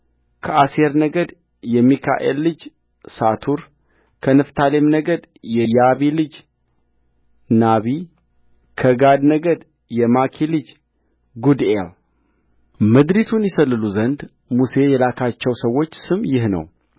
ከአሴር ነገድ የሚካኤል ልጅ ሰቱርከንፍታሌም ነገድ የያቢ ልጅ ናቢከጋድ ነገድ የማኪ ልጅ ጉዲኤልምድሪቱን ይሰልሉ ዘንድ ሙሴ የላካቸው ሰዎች ስም ይህ ነው